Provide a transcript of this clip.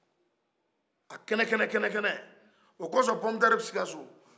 a kɛnɛkɛnɛkɛnɛ o ko sɔ pomu de tɛri bɛ sikaso